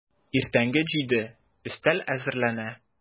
Иртәнге җиде, өстәл әзерләнә.